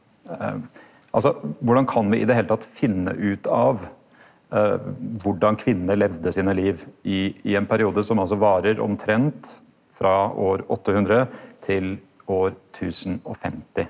altså korleis kan vi i det heile tatt finne ut av korleis kvinner levde sine liv i i ein periode som altså varer omtrent frå år åttehundre til år tusenogfemti?